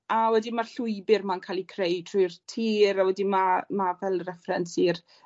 A wedyn ma'r llwybyr 'ma'n ca'l 'i creu trwy'r tir a wedyn ma' ma' fel reference i'r